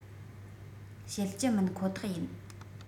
བྱེད ཀྱི མིན ཁོ ཐག ཡིན